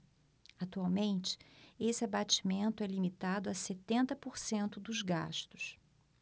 atualmente esse abatimento é limitado a setenta por cento dos gastos